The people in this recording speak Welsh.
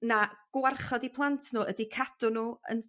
na gwarchod 'u plant nhw ydi cadw nhw yn